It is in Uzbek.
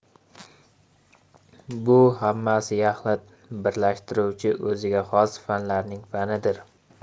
bu hammasini yaxlit birlashtiruvchi o'ziga xos fanlarning fanidir